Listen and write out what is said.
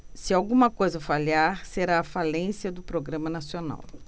se alguma coisa falhar será a falência do programa nacional